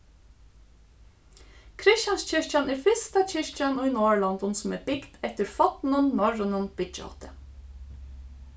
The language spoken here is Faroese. christianskirkjan er fyrsta kirkjan í norðurlondum sum er bygd eftir fornum norrønum byggihátti